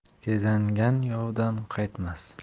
kezangan yovdan qaytmas